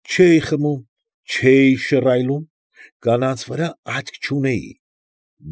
Չէի խմում, չէի շռայլում, կանանց վրա աչք չունեի։